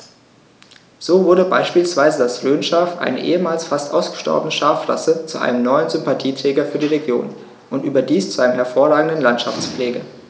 So wurde beispielsweise das Rhönschaf, eine ehemals fast ausgestorbene Schafrasse, zu einem neuen Sympathieträger für die Region – und überdies zu einem hervorragenden Landschaftspfleger.